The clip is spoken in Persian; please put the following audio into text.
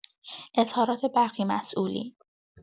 اظهارات برخی مسئولین